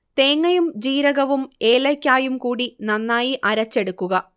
തേങ്ങയും ജീരകവും ഏലയ്ക്കായും കൂടി നന്നായി അരച്ചെടുക്കുക